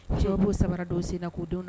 Cɛw b'o samara dɔ u sen na k'u denw na